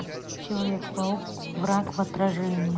человек паук враг в отражении